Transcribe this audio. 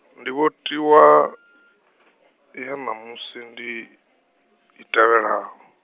ndivhotiwa , ya ṋamusi ndi, i tevhelaho.